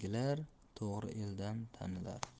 to'g'ri elda tanilar